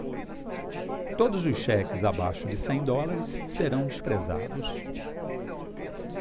todos os cheques abaixo de cem dólares são desprezados